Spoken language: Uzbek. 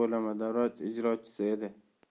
bo'limi davlat ijrochisi edi